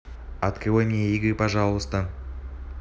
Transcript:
открой мне игры пожалуйста